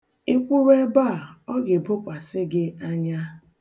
Ị kwụrụ ebe a, ọ ga-ebokwasị gị anya.